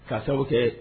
K'a sababu kɛ